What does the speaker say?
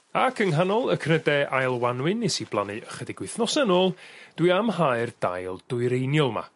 Ac yng nghanol y cnyde ail Wanwyn nes i blannu ychydig wythnose nôl dwi am hau'r dail dwyreiniol 'ma.